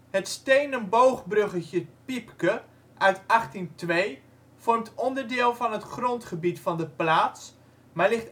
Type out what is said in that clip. Het stenen boogbruggetje ' t Piepke (uit 1802) vormt onderdeel van het grondgebied van de plaats, maar